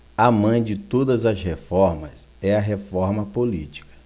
a mãe de todas as reformas é a reforma política